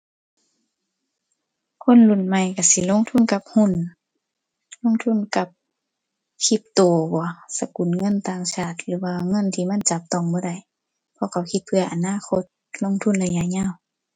คนรุ่นใหม่ก็สิลงทุนกับหุ้น ลงทุนกับคริปโตบ่ สกุลเงินต่างชาติหรือว่าเงินที่มันจับต้องบ่ได้ เขาก็คิดเผื่ออนาคต ลงทุนระยะยาว